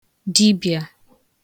dibịa